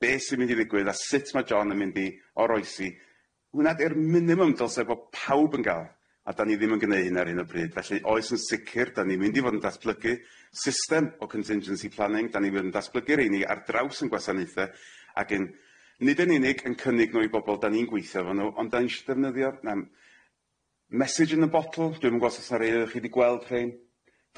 Be' sy'n mynd i ddigwydd a sut ma' John yn mynd i oroesi. Hwnna di'r minimum dylse bo pawb yn ga'l a 'dan ni ddim yn gneu' hynna ar 'yn o bryd felly oes yn sicir 'dan ni mynd i fod yn datblygu system o contingency planning 'dan ni myn' yn datblygu rheini ar draws 'yn gwasaneuthe ag yn nid yn unig yn cynnig nw i bobol 'dan ni'n gweithio efo nw ond 'dan ni isho ddefnyddio na'm- mesij in a botyl dwi'm yn gwbo' os o's 'na rei o' chi 'di gweld rhein.